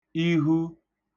ihu